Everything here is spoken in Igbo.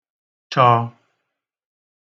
chọ